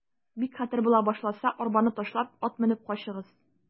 Бик хәтәр була башласа, арбаны ташлап, ат менеп качыгыз.